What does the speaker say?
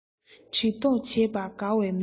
འདྲི རྟོགས བྱེད པར དགའ བའི མི